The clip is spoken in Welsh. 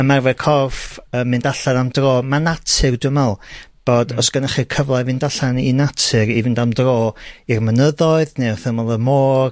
Ymarfer corff, ymm mynd allan am dro. Ma'n natur dwi me'wl, bod, os gynnoch chi cyfle i fynd allan i natur i fynd am dro i'r mynyddoedd neu wrth ymyl y môr,